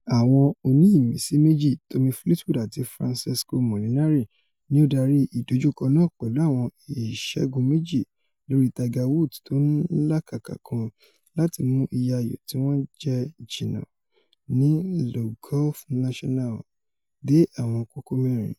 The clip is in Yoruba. Àwọn oní-ìmísí méjì Tommy Fleetwood àti Francesco Molinari ni o darí ìdojúkọ náà pẹ̀lú àwọn ìṣẹ́gun méji lórí Tiger Woods tó ńlàkàkà kan láti mú iye ayò tíwọn jẹ́ jìnnà ní Le Golf National dé àwọn kókó mẹ̵́rin.